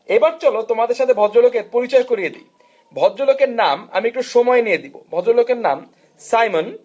এবার চলো তোমাদের সাথে ভদ্রলোকের পরিচয় করিয়ে দেই ভদ্রলোকের নাম আমি একটু সময় নিয়ে দিব ভদ্রলোকের নাম সাইমন